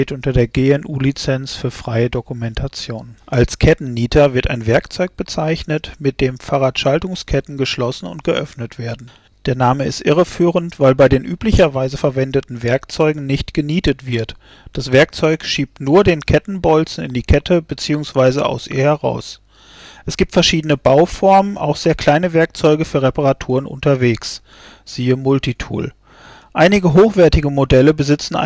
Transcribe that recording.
unter der GNU Lizenz für freie Dokumentation. billiges kleines Modell Modell mit etwas besserer Handhabbarkeit Kettennieter an einem Multi-Tool Rohloff Revolver Als Kettennieter (auch Kettenwerkzeug, aus dem Englischen Chain Tool) wird ein Werkzeug bezeichnet, mit dem Fahrrad - Schaltungsketten geschlossen und geöffnet werden. Der Name ist dabei irreführend, weil bei den üblicherweise verwendeten Werkzeugen nicht genietet wird. Die Werkzeuge schieben nur den Kettenbolzen in die Kette beziehungsweise aus ihr heraus. Es gibt viele verschiedene Bauformen, auch sehr kleine Werkzeuge für Reparaturen unterwegs (Multi-Tool). Einige hochwertige Modelle besitzen